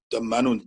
dyma nw'n